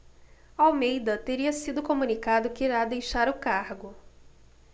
almeida teria sido comunicado que irá deixar o cargo